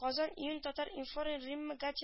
Казан июнь татар-информ римма гатина